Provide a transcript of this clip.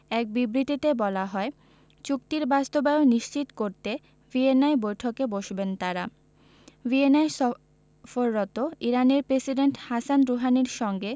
এক বিবৃতিতে বলা হয় চুক্তির বাস্তবায়ন নিশ্চিত করতে ভিয়েনায় বৈঠকে বসবেন তাঁরা ভিয়েনায় সফররত ইরানের প্রেসিডেন্ট হাসান রুহানির সঙ্গে